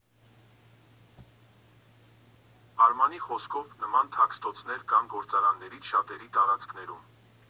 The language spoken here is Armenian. Նրա հորը, ով նույնպես ճարտարապետ է, բոլորը ճանաչում են որպես պարոն Ցեմենտ։